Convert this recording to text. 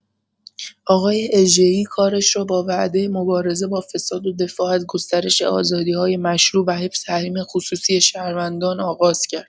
آقای اژه‌ای کارش را با وعده مبارزه با فساد و دفاع از گسترش آزادی‌های مشروع و حفظ حریم خصوصی شهروندان آغاز کرد.